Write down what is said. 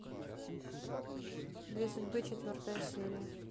две судьбы четвертая серия